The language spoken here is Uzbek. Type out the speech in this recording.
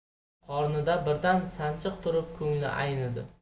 qornida birdan sanchiq turib ko'ngli aynidi